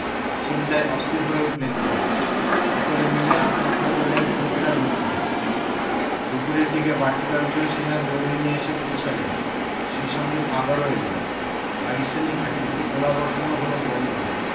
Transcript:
চিন্তায় অস্থির হয়ে উঠলেন তিনি সকলে মিলে আত্মরক্ষা করলেন পরিখার মধ্যে দুপুরের দিকে বাড়তি কয়েকজন সেনা দরুইনে এসে পৌঁছালেন সেই সঙ্গে খাবারও এলো পাকিস্তানি ঘাঁটি থেকে গোলাবর্ষণও হলো বন্ধ